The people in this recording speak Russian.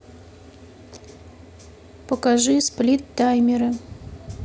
покажи слип таймеры